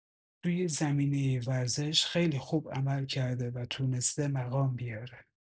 توی زمینه ورزش خیلی خوب عمل کرده و تونسته مقام بیاره.